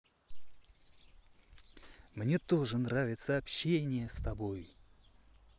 мне тоже нравится общение с тобой